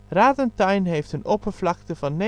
Radenthein heeft een oppervlakte van